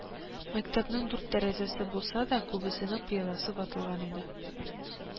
Мәктәпнең дүрт тәрәзәсе булса да, күбесенең пыяласы ватылган иде